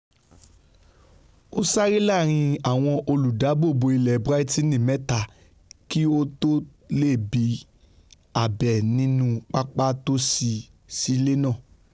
Ó sáré láàrin àwọn olùdáààbòbò ilé Brighton mẹ́ta kí ó tó lọ bí abẹ nínú pápá tósí sílẹ̀ náà.